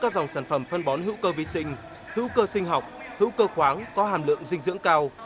các dòng sản phẩm phân bón hữu cơ vi sinh hữu cơ sinh học hữu cơ khoáng có hàm lượng dinh dưỡng cao